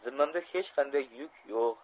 zimmamda hech qanday yuk yo'q